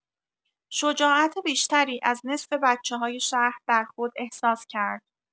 شجاعت بیشتری از نصف بچه‌های شهر در خود احساس کرد.